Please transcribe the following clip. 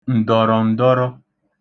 ǹdọ̀rọ̀ǹdọrọ